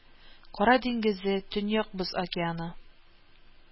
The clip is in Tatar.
Кара диңгезе, Төньяк Боз океаны